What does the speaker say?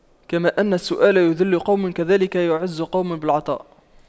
كما أن السؤال يُذِلُّ قوما كذاك يعز قوم بالعطاء